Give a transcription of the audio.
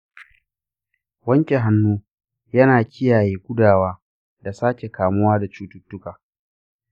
wanke hannu yana kiyaye gudawa da sake kamuwa da cututtuka.